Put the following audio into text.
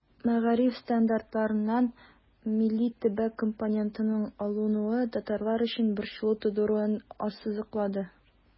Мәгариф стандартларыннан милли-төбәк компонентының алынуы татарлар өчен борчылу тудыруын ассызыклады.